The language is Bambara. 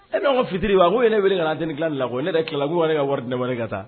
E bɛ anw ko fitiri wa ko e ne wele kana deni nila la kuwa ne tɛ tilala' wele ne ka wari ne wɛrɛ ka taa